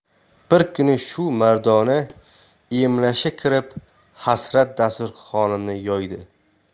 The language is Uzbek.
bir kuni shu mardona emlashga kirib hasrat dasturxonini yoydi